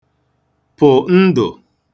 pụ̀ ndụ̀